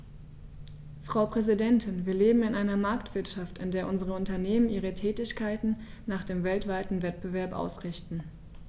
Frau Präsidentin, wir leben in einer Marktwirtschaft, in der unsere Unternehmen ihre Tätigkeiten nach dem weltweiten Wettbewerb ausrichten.